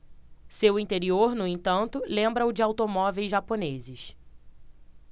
seu interior no entanto lembra o de automóveis japoneses